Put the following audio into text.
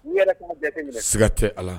Iga tɛ ala